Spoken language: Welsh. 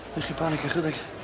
Neu' chi panico chydig.